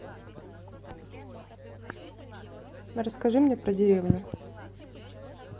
расскажи мне про деревню